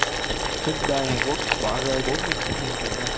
hyundai hàn quốc bỏ rơi bốn nghìn khách hàng việt nam